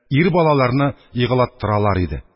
Ир балаларны еглаттыралар иде.